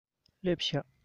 སླེབས བཞག